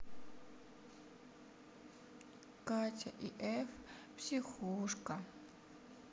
катя и эф психушка